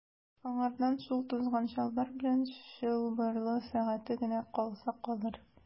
Аңардан шул тузган чалбар белән чылбырлы сәгате генә калса калыр.